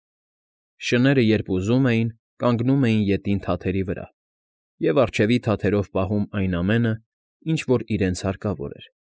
Շները, երբ ուզում էին, կանգնում էին ետին թաթերի վրա և առջևի թաթերով պահում այն ամենը, ինչ որ իրենց հարկավոր էր։